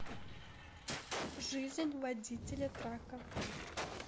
жизнь водителя трака